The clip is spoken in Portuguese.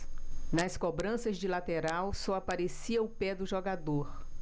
nas cobranças de lateral só aparecia o pé do jogador